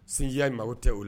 Sinjiya ma o tɛ o